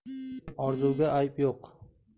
orzuga ayb yo'q